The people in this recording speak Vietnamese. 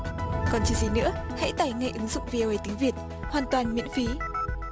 còn chờ gì nữa hãy tải ngay ứng dụng vi ô ây tiếng việt hoàn toàn miễn phí